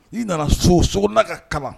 I nana so. Sokɔnɔ na ka kalan